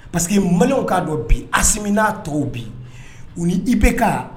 Parce que manw k'a dɔn bi a n'a tɔw bi u ni i bɛ ka